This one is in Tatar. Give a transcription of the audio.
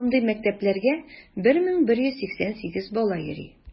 Мондый мәктәпләргә 1188 бала йөри.